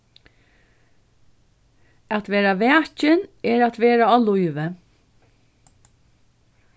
at vera vakin er at vera á lívi